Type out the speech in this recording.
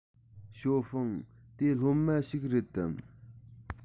ཞའོ ཧྥུང དེ སློབ མ ཞིག རེད དམ